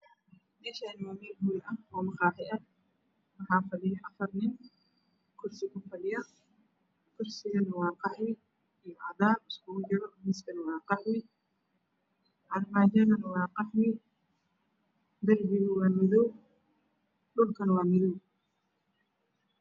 Meshani waa mel hool ah maqaxi ah waxaa fadhiyan afar nin kursi ku fadhiyan kursiga waa qaxwi iyo cadan miskuna waa qalin armajadana waa qaxwi derbigana waa maqoow